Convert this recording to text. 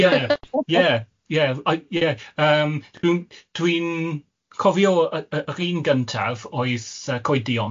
Ie ie ie yy ie yym dwi'n dwi'n cofio y- y- yr un gyntaf oedd yy coeduon.